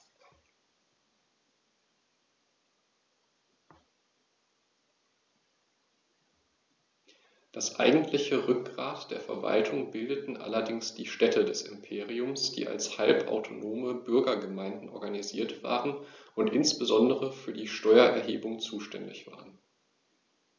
Das eigentliche Rückgrat der Verwaltung bildeten allerdings die Städte des Imperiums, die als halbautonome Bürgergemeinden organisiert waren und insbesondere für die Steuererhebung zuständig waren.